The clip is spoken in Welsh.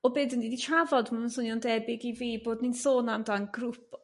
O be dyn ni 'di trafod ma' fe'n swnio'n debyg i fi bod ni'n sôn am dan grŵp